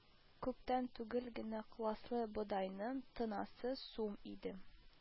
Күптән түгел генә класслы бодайның тоннасы сум иде